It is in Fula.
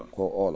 ko o oolo